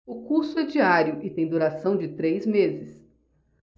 o curso é diário e tem duração de três meses